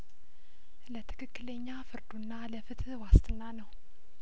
ለትክክለኛ ፍርዱና ለፍትህ ዋስትና ነው